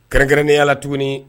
Kɛrɛnnen yala la tuguni